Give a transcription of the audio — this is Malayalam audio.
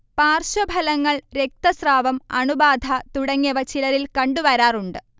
പാർശ്വഫലങ്ങൾ രക്തസ്രാവം, അണുബാധ തുടങ്ങിയവ ചിലരിൽ കണ്ടുവരാറുണ്ട്